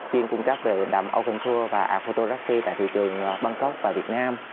chuyên cung cấp về đầm âu bừn tua và a bô tô róp phi tại thị trường băng cốc và việt nam